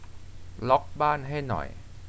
ล็อคบ้านให้หน่อย